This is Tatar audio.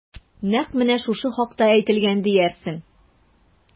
Нәкъ менә шушы хакта әйтелгән диярсең...